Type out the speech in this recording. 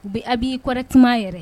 U bɛ a b'i kɔrɔɛtuma yɛrɛ